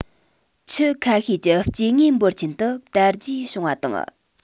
ཁྱུ ཁ ཤས ཀྱི སྐྱེ དངོས འབོར ཆེན དུ དར རྒྱས བྱུང བ དང